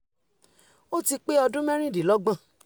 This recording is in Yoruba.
O tí pé ọdún mẹ́rìndínlọ́gbọ̀n.